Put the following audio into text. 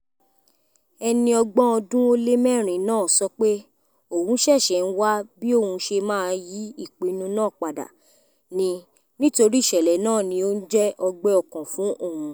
ẹni ọgbọ̀n ọdún ó lé mẹ́rin náà sọ pé òun ṣẹṣẹ̀ ń wá bíòun ṣe máa yí ìpínnu náà padà ní nítorí ìṣẹ̀lẹ̀ náà ni ó ń jẹ́ ọgbẹ́ ọkàn fún òun.